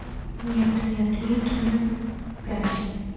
нет нет нет мне пять